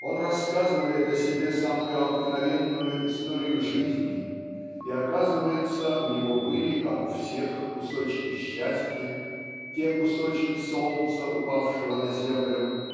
он рассказывает о себе самую обыкновенную историю жизни и оказывается у него были как у всех кусочки счастья те кусочки солнца упавшего на землю